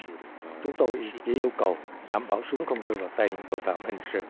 chúng tôi chỉ yêu cầu đảm bảo súng không rơi vào tay những tội phạm hình sự